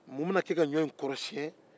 mun bɛna kɛ ka ɲɔ in kɔrɔsiyɛn